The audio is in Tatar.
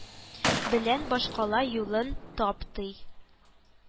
Белән башкала юлын таптый